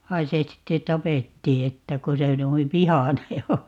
vaan se sitten tapettiin että kun se noin vihainen on